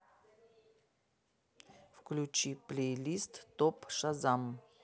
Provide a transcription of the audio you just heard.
включи плейлист топ шазам